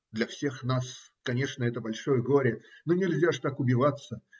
- для всех нас, конечно, это большое горе, но нельзя же так убиваться